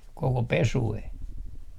koko pesue